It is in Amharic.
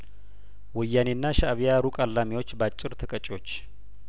ወያኔና ሻእቢያሩቅ አላሚዎች ባጭር ተቀጭዎች